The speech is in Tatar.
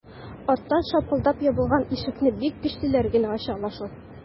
Арттан шапылдап ябылган ишекне бик көчлеләр генә ача ала шул...